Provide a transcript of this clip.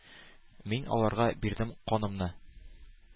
Мин аларга бирдем канымны,